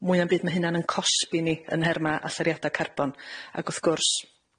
mwya'n byd ma' hynna'n 'yn cosbi ni yn nherma allyriada carbon. Ac wrth gwrs